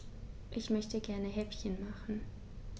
Ich möchte gerne Häppchen machen.